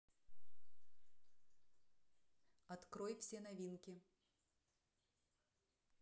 открой все новинки